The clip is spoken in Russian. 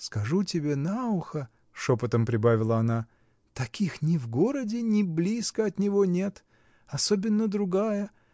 Скажу тебе на ухо, — шепотом прибавила она, — таких ни в городе, ни близко от него нет. Особенно другая.